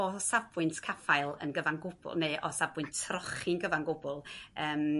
O safbwynt caffael yn gyfan gwbl neu o sabwynt trochi'n gyfan gwbl yym